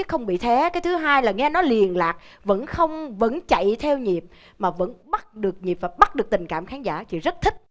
không bị thé cái thứ hai là nghe nó liền lạc vẫn không vẫn chạy theo nhịp mà vẫn bắt được nhịp và bắt được tình cảm khán giả chị rất thích